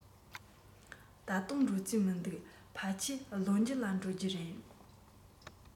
ད ལྟ འགྲོ རྩིས མི འདུག ཕལ ཆེར ལོ མཇུག ལ འགྲོ རྒྱུ རེད